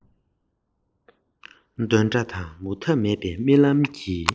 འདོན སྒྲ དང མུ མཐའ མེད པའི རྨི ལམ གྱི